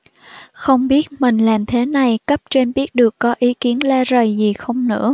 không biết mình làm thế này cấp trên biết được có ý kiến la rầy gì không nữa